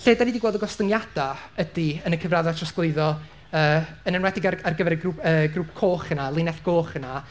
Lle dan ni 'di gweld y gostyngiadau ydy, yn y cyfraddau trosglwyddo, yy yn enwedig ar ar gyfer y grŵp yy grŵp coch yna, linell goch yna,